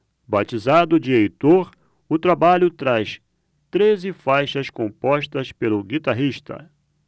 batizado de heitor o trabalho traz treze faixas compostas pelo guitarrista